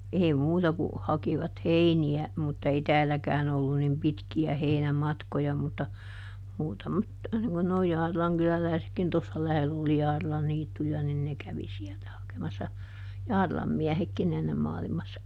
ei muuta kuin hakivat heiniä mutta ei täälläkään ollut niin pitkiä heinämatkoja mutta muutamat niin kuin nuo Jaarilan kyläläisetkin tuossa lähellä oli Jaarilan niittyjä niin ne kävi sieltä hakemassa Jaarilan miehetkin ennen maailmassa